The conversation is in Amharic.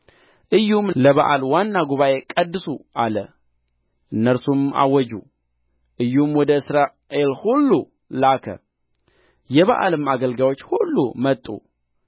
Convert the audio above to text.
ኢዩም ለበኣል ዋና ጉባኤ ቀድሱ አለ እነርሱም አወጁ ኢዩም ወደ እስራኤል ሁሉ ላከ የበኣልም አገልጋዮች ሁሉ መጡ